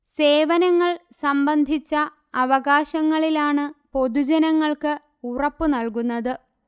സേവനങ്ങൾ സംബന്ധിച്ച അവകാശങ്ങളിലാണ് പൊതുജനങ്ങൾക്ക് ഉറപ്പു നൽകുന്നത്